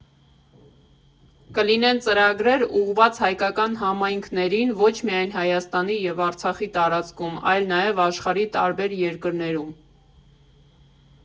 Կլինեն ծրագրեր ուղղված հայկական համայնքներին ոչ միայն Հայաստանի և Արցախի տարածքում, այլ նաև աշխարհի տարբեր երկրներում։